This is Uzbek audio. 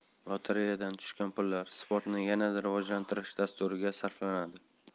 lotereyadan tushgan pullar sportni yanada rivojlantirish dasturlariga sarflanadi